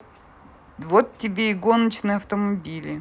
вот тебе и гоночные автомобили